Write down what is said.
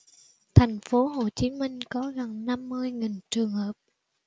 thành phố hồ chí minh có gần năm mươi nghìn trường hợp